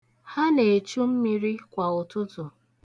Ha na-echu mmiri kwa ụtụtụ.